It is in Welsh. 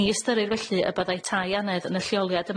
Ni ystyrir felly y byddai tai anedd yn y lleoliad